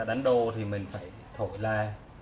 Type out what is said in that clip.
khi ban nhạc đánh c thì chúng ta thổi a